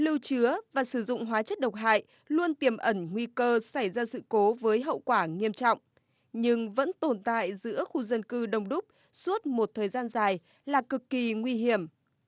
lưu chứa và sử dụng hóa chất độc hại luôn tiềm ẩn nguy cơ xảy ra sự cố với hậu quả nghiêm trọng nhưng vẫn tồn tại giữa khu dân cư đông đúc suốt một thời gian dài là cực kỳ nguy hiểm